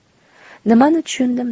nimani tushundim